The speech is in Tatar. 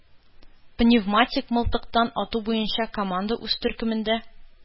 Пневматик мылтыктан ату буенча команда үз төркемендә